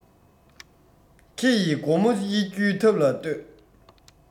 ཁེ ཡི སྒོ མོ དབྱེ རྒྱུའི ཐབས ལ ལྟོས